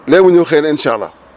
léegi ñëw xëyna incha allah